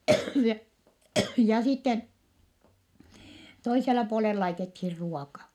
ja ja sitten toisella puolen laitettiin ruoka